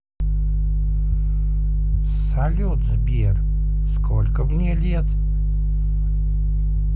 салют сбер сколько мне лет